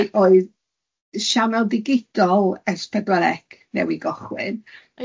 A mi oedd shanel digidol es pedwar ec newydd gochwyn.